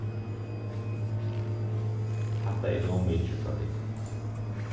hatta er nóg mikið frá tykkum